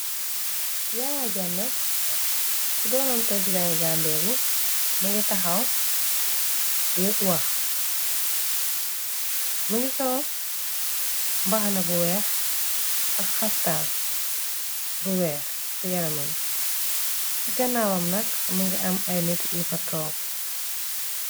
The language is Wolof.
Yaaya jamme ku doonoon president yi gambeer bi më ngi taxaw jeeb wax më ngi salo mbaxana bu weex ak xaftaan bu weex ci yaramam ci kanaawam nak mëngi am ay nit yi fa toog.